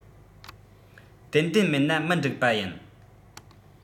ཏན ཏན མེད ན མི འགྲིག པ ཡིན